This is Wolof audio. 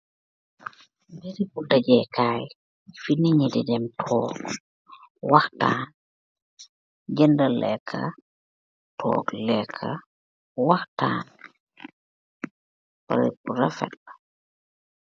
Bereb bo dageh kai fo niit yi dem toog wahtan genda leka tog leka wahtan bereb bu refet la.